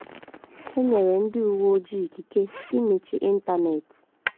E nyere ndị uwe ojii ikike imechi ịntaneetị